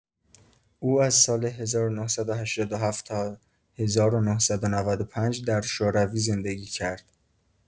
او از سال ۱۹۸۷ تا ۱۹۹۵ در شوروی زندگی کرد.